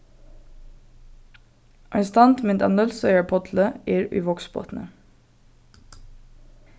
ein standmynd av nólsoyar pálli er í vágsbotni